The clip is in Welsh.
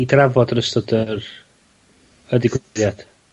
'i drafod yr ystod yr y digwyddiad?